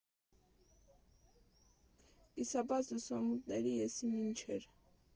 Կիսաբաց լուսամուտների եսիմինչեր։